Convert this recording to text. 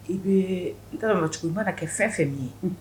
I bɛ n taaracogoba kɛ fɛn fɛn min ye